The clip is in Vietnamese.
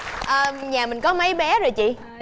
ờ nhà mình có mấy bé rồi chị